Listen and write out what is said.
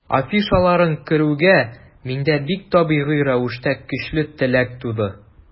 Афишаларын күрүгә, миндә бик табигый рәвештә көчле теләк туды.